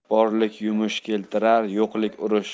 borlik yumush keltirar yo'qlik urush